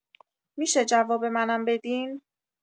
می‌شه جواب منم بدین